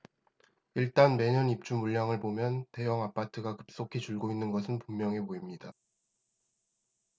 일단 매년 입주 물량을 보면 대형아파트가 급속히 줄고 있는 것은 분명해 보입니다